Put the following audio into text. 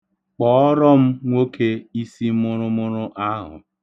Kpọọrọ m nwoke isi mụrụmụrụ ahụ.